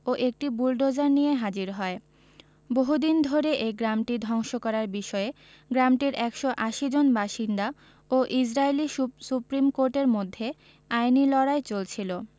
ও একটি বুলোডোজার নিয়ে হাজির হয় বহুদিন ধরে এই গ্রামটি ধ্বংস করার বিষয়ে গ্রামটির ১৮০ জন বাসিন্দা ও ইসরাইলি সু সুপ্রিম কোর্টের মধ্যে আইনি লড়াই চলছিল